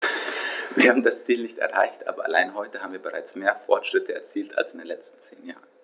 Wir haben das Ziel nicht erreicht, aber allein heute haben wir bereits mehr Fortschritte erzielt als in den letzten zehn Jahren.